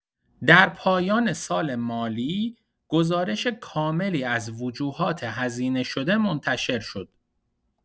در پایان سال مالی، گزارش کاملی از وجوهات هزینه‌شده منتشر شد.